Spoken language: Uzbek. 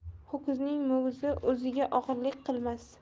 ho'kizning mo'guzi o'ziga og'irlik qilmas